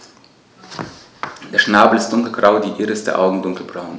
Der Schnabel ist dunkelgrau, die Iris der Augen dunkelbraun.